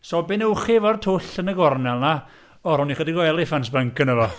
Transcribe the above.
So be wnewch chi efo'r twll yn y gornel yna? O rown ni ychydig o elephant spunk ynddo fo.